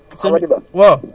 maaleykum salaam Am